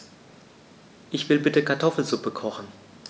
Ich will bitte Kartoffelsuppe kochen.